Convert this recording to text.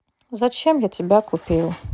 зачем я тебя купил